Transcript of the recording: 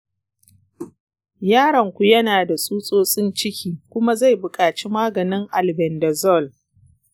yaronku yana da tsutsotsin ciki kuma zai buƙaci maganin albendazole.